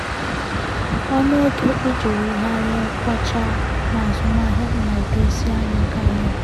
Ọnụ ego ịjị wugharịa Kwacha n'azụmụahịa na-edozi anya karịa.